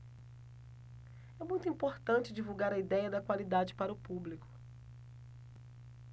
é muito importante divulgar a idéia da qualidade para o público